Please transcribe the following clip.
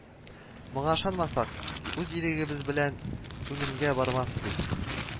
Моңа ышанмасак, үз ирегебез белән үлемгә бармас идек